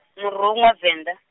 Murunwa Venḓa.